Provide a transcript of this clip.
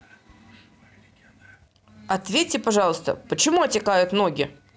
ответьте пожалуйста почему отекают ноги